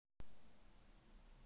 нет я маленькая